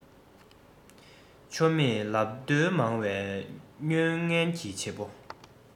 ཆོ མེད ལབ བརྡོལ མང བའི དམོན ངན གྱི བྱེད པོ